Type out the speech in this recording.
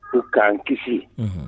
O k'an kisi